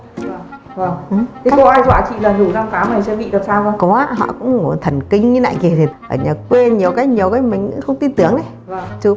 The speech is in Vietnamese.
có ai dọa chị nhổ răng này có bị làm sao không có họ cũng bảo ảnh hưởng đến thần kinh ở nhà quê nhiều cái minh cũng không tin tưởng